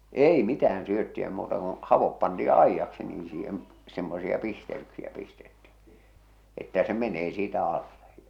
ei mitään syöttiä muuta kuin havut pantiin aidaksi niin siihen semmoisia pistelyksiä pistettiin että se menee siitä alle